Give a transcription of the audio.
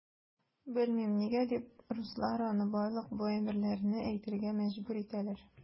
Белмим, нигә дип руслар аны барлык бу әйберләрне әйтергә мәҗбүр итәләр.